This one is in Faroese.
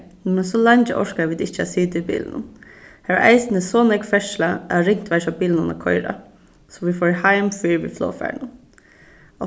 men so leingi orkaðu vit ikki at sita í bilinum har var eisini so nógv ferðsla at ringt var hjá bilunum at koyra so vit fóru heim fyrr við flogfarinum